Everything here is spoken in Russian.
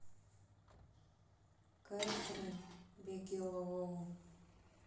кэтрин бигелоу